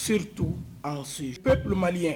Setu an se bɛɛ kumali ye